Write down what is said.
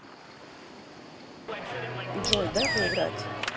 джой проиграть